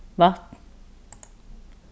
vatn